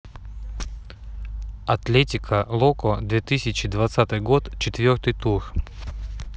атлетика локо две тысячи двадцатый год четвертый тур